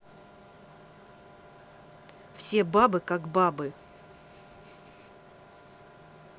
все бабы как бабы